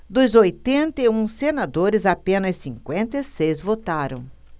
dos oitenta e um senadores apenas cinquenta e seis votaram